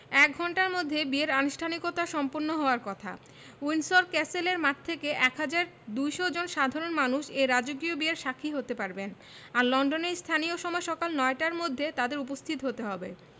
এক ঘণ্টার মধ্যে বিয়ের আনুষ্ঠানিকতা সম্পন্ন হওয়ার কথা উইন্ডসর ক্যাসেলের মাঠ থেকে ১হাজার ২০০ জন সাধারণ মানুষ এই রাজকীয় বিয়ের সাক্ষী হতে পারবেন আর লন্ডনের স্থানীয় সময় সকাল নয়টার মধ্যে তাঁদের উপস্থিত হতে হবে